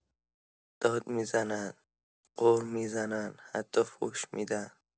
داد می‌زنن، غر می‌زنن، حتی فحش می‌دن.